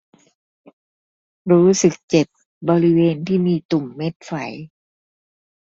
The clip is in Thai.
รู้สึกเจ็บบริเวณที่มีตุ่มเม็ดไฝ